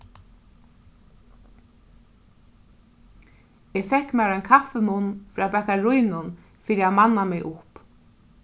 eg fekk mær ein kaffimunn frá bakarínum fyri at manna meg upp